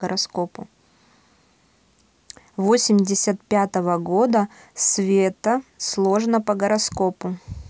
восемьдесят пятого года света сложно по гороскопу